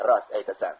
rost aytasan